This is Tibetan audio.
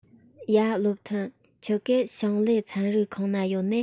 ཡ བློ མཐུན ཁྱེད གེ ཞིང ལས ཚན རིག ཁང ན ཡོད ནིས